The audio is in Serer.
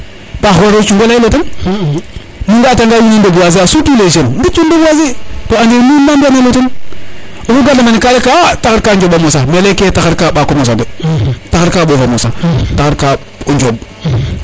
paax wariro cungo leyelo ten nu ga nga wiin we reboiser a surtout les jeunes ndet yo reboiser to ande nuun na mbiya nelo ten oxu garna mene ka ley ka ye taxar ka Njoba mosa nda ley ke ye Mbako mosa de taxar ka Mbof a mosa taxar ka o njomb